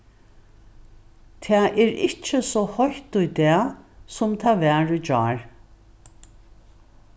tað er ikki so heitt í dag sum tað var í gjár